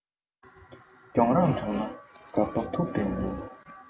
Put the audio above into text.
གྱོང རང དྲགས ན འགག པ ཐུག པའི ཉེན